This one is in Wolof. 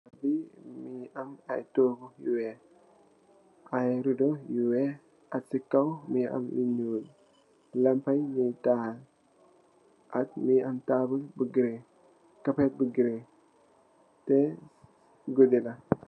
Li mugii am ay tohgu yu wèèx, ay rido yu wèèx ak si kaw mugii am lu ñuul. Lampa yi ñugii tahal ak mugii am tabull bu green, kapet bu green teh guddi la.